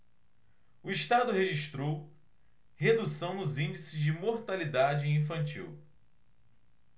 o estado registrou redução nos índices de mortalidade infantil